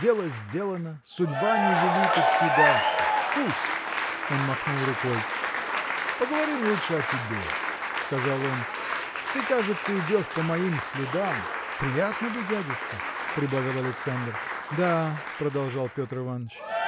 Дело сделано: судьба не велит идти дальше. пусть! – Он махнул рукой. – Поговорим лучше о тебе – сказал он – ты кажется идешь по моим следам. – Приятно бы, дядюшка! – прибавил Александр. – Да! – продолжал Петр Иваныч